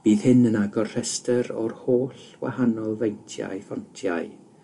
Bydd hyn yn agor rhester o'r holl wahanol feintiau ffontiau